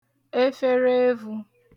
efereevū